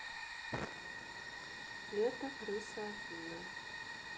лето крыса афина